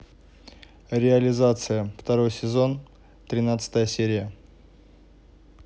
реализация второй сезон тринадцатая серия